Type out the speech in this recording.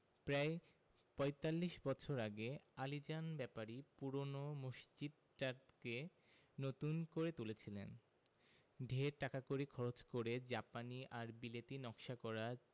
প্রায় পঁয়তাল্লিশ বছর আগে আলীজান ব্যাপারী পূরোনো মসজিদটাকে নতুন করে তুলেছিলেন ঢের টাকাকড়ি খরচ করে জাপানি আর বিলেতী নকশা করা